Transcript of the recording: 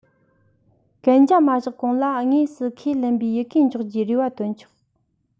གན རྒྱ མ བཞག གོང ལ དངོས སུ ཁས ལེན པའི ཡི གེ འཇོག རྒྱུའི རེ བ བཏོན ཆོག